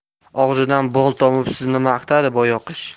og'zidan bol tomib sizni maqtadi boyoqish